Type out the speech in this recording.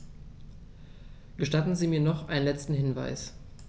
Gestatten Sie mir noch einen letzten Hinweis.